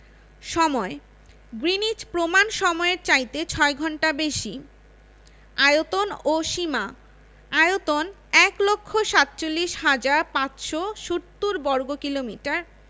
সময়ঃ গ্রীনিচ প্রমাণ সময়ের চাইতে ৬ ঘন্টা বেশি আয়তন ও সীমাঃ আয়তন ১লক্ষ ৪৭হাজার ৫৭০বর্গকিলোমিটার